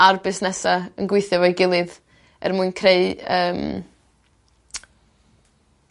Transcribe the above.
a'r busnesa yn gweithio efo'i gilydd er mwyn creu yym